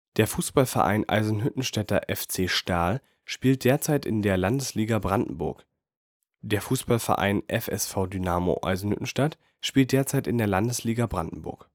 Der Fußballverein Eisenhüttenstädter FC Stahl spielt derzeit in der Landesliga Brandenburg. Der Fußballverein FSV Dynamo Eisenhüttenstadt spielt derzeit in der Landesliga Brandenburg